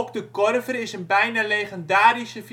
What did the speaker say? de Korver is een bijna legendarische